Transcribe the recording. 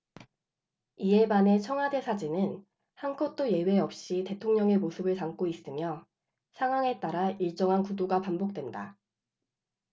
이에 반해 청와대 사진은 한 컷도 예외 없이 대통령의 모습을 담고 있으며 상황에 따라 일정한 구도가 반복된다